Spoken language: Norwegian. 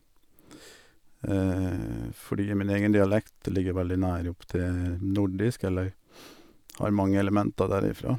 Fordi min egen dialekt ligger veldig nær opptil nordisk, eller har mange elementer derifra.